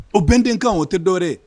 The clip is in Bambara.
O bɛnden kan o tɛ dɔwɛrɛ ye